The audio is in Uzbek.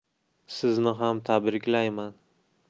sizni ham tabriklayman